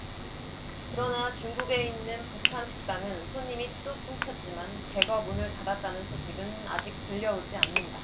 그러나 중국에 있는 북한 식당은 손님이 뚝 끊겼지만 대거 문을 닫았다는 소식은 아직 들려오지 않는다